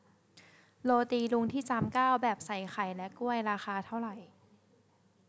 โรตีลุงที่จามเก้าแบบใส่ไข่และกล้วยราคาเท่าไหร่